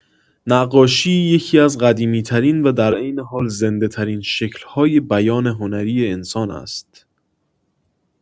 نقاشی یکی‌از قدیمی‌ترین و در عین حال زنده‌ترین شکل‌های بیان هنری انسان است.